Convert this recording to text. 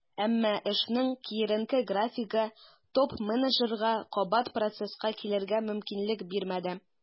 Әмма эшенең киеренке графигы топ-менеджерга кабат процесска килергә мөмкинлек бирмәде.